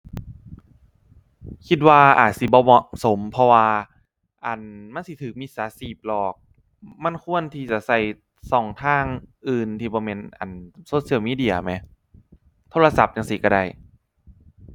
คิดว่าอาจสิบ่เหมาะสม เพราะว่า อั่น มันสิถูกมิจฉาชีพหลอก มันควรที่จะถูกถูกทางอื่นที่บ่แม่น อั่น โซเชียลมีเดียแหม โทรศัพท์จั่งซี้ถูกได้